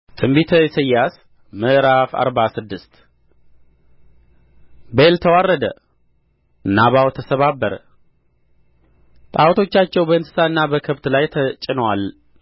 ትንቢተ ኢሳይያስ ምዕራፍ አርባ ስድስት ቤል ተዋረደ ናባው ተሰባበረ ጣዖቶቻቸው በእንስሳና በከብት ላይ ተጭነዋል